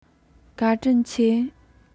བཀའ དྲིན ཆེ